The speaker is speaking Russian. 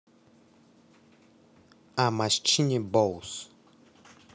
a machine boys